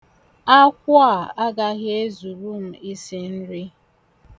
Akwụ a agaghị ezuru m isi nri.